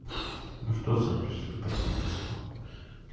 что с записью в парикмахерскую